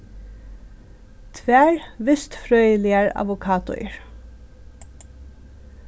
tvær vistfrøðiligar avokadoir